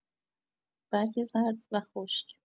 برگ زرد و خشک